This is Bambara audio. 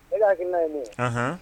E hakiina ye' ye